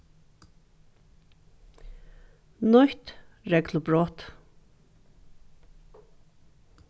nýtt reglubrot